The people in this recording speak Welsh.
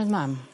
...o'dd mam.